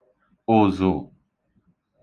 ụ̀zụ̀